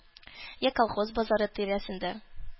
Йә колхоз базары тирәсендә